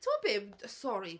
Timod be... sori...